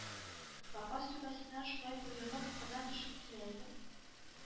Лапас түбәсеннән шулай боегып кына төшеп килә идем,